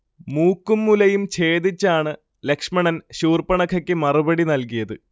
മൂക്കും മുലയും ച്ഛേദിച്ചാണ് ലക്ഷ്മണൻ ശൂർപണഖയ്ക്ക് മറുപടി നൽകിയത്